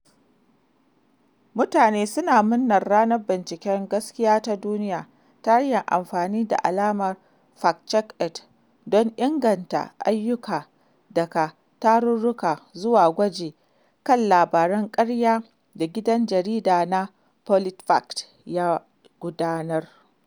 Mutane suna murnar Ranar Binciken Gaskiya ta Duniya ta hanyar amfani da alamar #FactCheckIt don inganta ayyuka daga tarurruka zuwa gwaji kan labaran ƙarya da gidan jarida na PolitiFact ya gudanar.